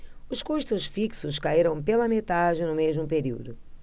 os custos fixos caíram pela metade no mesmo período